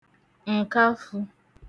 ǹkafụ̄